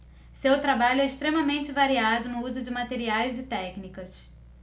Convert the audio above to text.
seu trabalho é extremamente variado no uso de materiais e técnicas